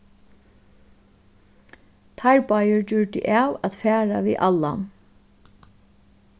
teir báðir gjørdu av at fara við allan